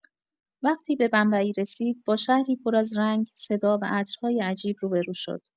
وقتی به بمبئی رسید، با شهری پر از رنگ، صدا و عطرهای عجیب روبه‌رو شد.